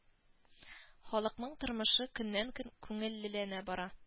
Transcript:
Халыкның тормышы көннән-көн күңеллеләнә бара